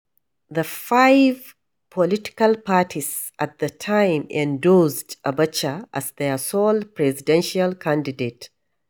The five political parties at the time endorsed Abacha as their sole presidential candidate.